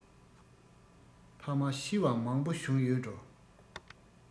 ཕ མ ཤི བ མང པོ བྱུང ཡོད འགྲོ